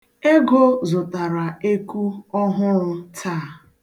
Ego zụtara eku ọhụrụ taa.